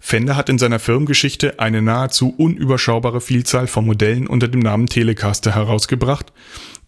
Fender hat in seiner Firmengeschichte eine nahezu unüberschaubare Vielzahl von Modellen unter dem Namen „ Telecaster “herausgebracht,